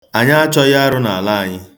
Anyị achọghị arụ n'ala anyị.